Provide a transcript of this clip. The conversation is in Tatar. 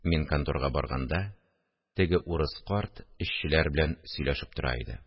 Мин конторга барганда, теге урыс карт эшчеләр белән сөйләшеп тора иде